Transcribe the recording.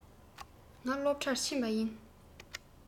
ང སློབ གྲྭར ཕྱིན པ ཡིན